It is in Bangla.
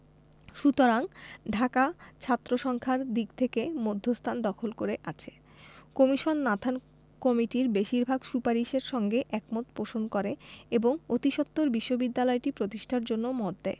সুতরাং ঢাকা ছাত্রসংখ্যার দিক থেকে মধ্যস্থান দখল করে আছে কমিশন নাথান কমিটির বেশির ভাগ সুপারিশের সঙ্গে একমত পোষণ করে এবং অতিসত্বর বিশ্ববিদ্যালয়টি প্রতিষ্ঠার জন্য মত দেয়